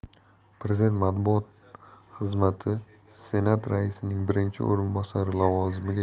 prezident matbuot xizmatisenat raisining birinchi o'rinbosari lavozimiga